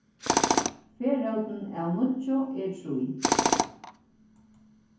ferrótin av níggju er trý